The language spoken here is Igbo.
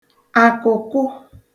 àkụ̀kụ